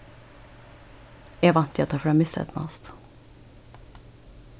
eg vænti at tað fer at miseydnast